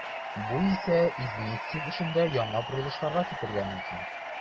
Бу исә Изместьев эшендә яңа борылышларга китерергә мөмкин.